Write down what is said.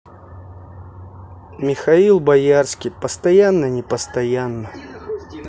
михаил боярский постоянно непостоянна